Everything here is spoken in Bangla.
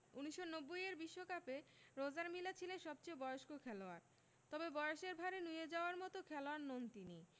১৯৯০ এর বিশ্বকাপে রজার মিলা ছিলেন সবচেয়ে বয়স্ক খেলোয়াড় তবে বয়সের ভাঁড়ে নুয়ে যাওয়ার মতো খেলোয়াড় নন তিনি